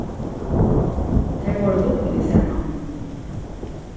tey vóru lukkulig saman